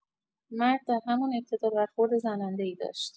مرد در همان ابتدا برخورد زننده‌ای داشت.